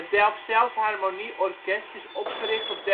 Delfzijls Harmonie Orkest is opgericht op